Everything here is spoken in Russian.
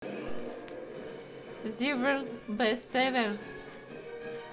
zivert bestseller